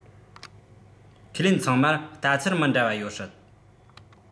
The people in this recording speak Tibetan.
ཁས ལེན ཚང མར ལྟ ཚུལ མི འདྲ བ ཡོད སྲིད